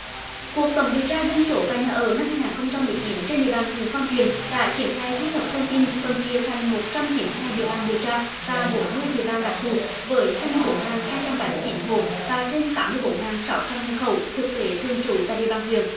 cuộc tổng điều tra dân số và nhà ở năm hai ngàn không trăm mười chín trên địa bàn huyện phong điền đã triển khai thu thập thông tin phân chia thành một trăm chín mươi hai địa bàn điều tra và bốn mươi địa bàn đặc thù với hai mươi bốn ngàn hai trăm bảy mươi chín hộ và trên tám mươi bốn nghìn sáu trăm nhân khẩu thực tế thường trú tại địa bàn huyện